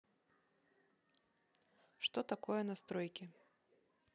что такое настройки